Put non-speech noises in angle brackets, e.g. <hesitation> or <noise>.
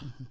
<hesitation> <hesitation>